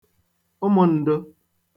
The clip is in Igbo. ụmụn̄dụ̄